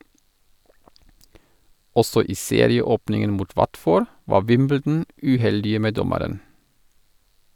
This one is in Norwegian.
Også i serieåpningen mot Watford var Wimbledon uheldige med dommeren.